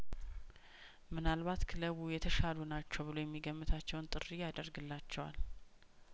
ምናልባት ክለቡ የተሻሉ ናቸው ብሎ የሚገም ታቸውን ጥሪ ያደርግላቸዋል